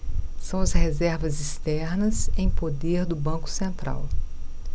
são as reservas externas em poder do banco central